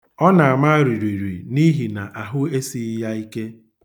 Ọ na-ama ririri n'ihi na ahụ esighi ya ike.